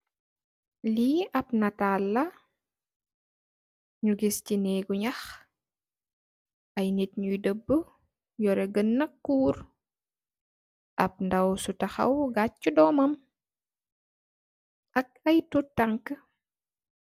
Li ap nital la ñi gis ci nehgu ñax ay nit yuy dabbu yorèh ganak kuur. Ap ndaw su taxaw gaci dóómam. Ak ay tottangue